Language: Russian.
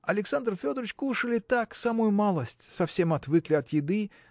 Александр Федорыч кушали так, самую малость: совсем отвыкли от еды